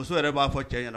Muso yɛrɛ ba fɔ cɛ ɲɛna.